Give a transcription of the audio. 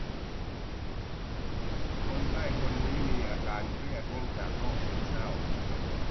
คนไข้คนนี้มีอาการเครียดเนื่องจากโรคซึมเศร้า